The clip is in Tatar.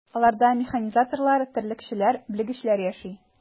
Аларда механизаторлар, терлекчеләр, белгечләр яши.